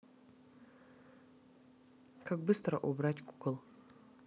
как быстро убрать кукол